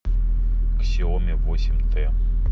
ксиоми восемь т